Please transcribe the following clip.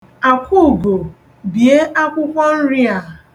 Akwuugo, bie akwụkwọnri a.